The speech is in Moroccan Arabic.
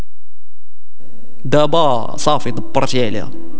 دابا صافي